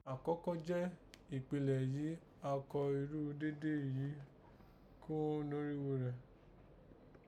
Àkọ́kọ́ jẹ́ ìkpínlẹ̀ yìí a kó irun dede yìí kùn norígho rẹ̀